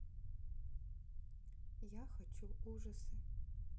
я хочу ужасы